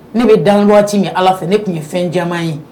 Ne bɛ danwati min ala fɛ ne tun ye fɛn caman ye